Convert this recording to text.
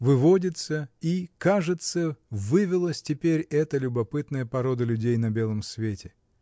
Выводится и, кажется, вывелась теперь эта любопытная порода людей на белом свете.